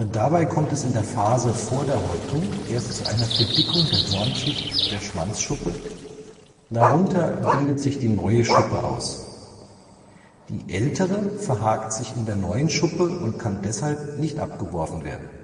Dabei kommt es in der Phase vor der Häutung erst zu einer Verdickung der Hornschicht der Schwanzschuppe, darunter bildet sich die neue Schuppe aus. Die ältere verhakt sich in der neuen Schuppe und kann deshalb nicht abgeworfen werden